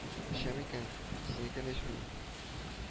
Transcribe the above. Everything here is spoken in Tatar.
Эчәм икән – синекен эчмим